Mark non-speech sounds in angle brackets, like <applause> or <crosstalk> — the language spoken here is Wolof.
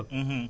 <hesitation> <hesitation>